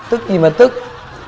tức gì mà tức